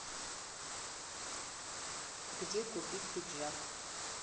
где купить пиджак